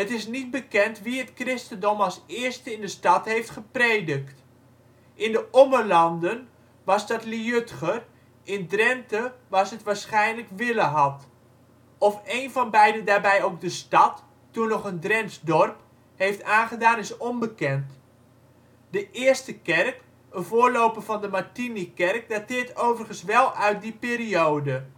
is niet bekend wie het christendom als eerste in de stad heeft gepredikt. In de Ommelanden was dat Liudger, in Drenthe was het waarschijnlijk Willehad. Of een van beiden daarbij ook de stad, toen nog een Drents dorp, heeft aangedaan is onbekend. De eerste kerk, een voorloper van de Martinikerk dateert overigens wel uit die periode